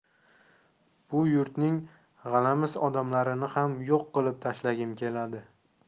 bu yurtning g'alamis odamlarini ham yo'q qilib tashlagim keladi